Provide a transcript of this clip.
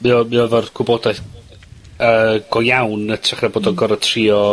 mae o, mae o efo'r gwybodaeth, yy, go iawn yn ytrach na bod o'n gorod trio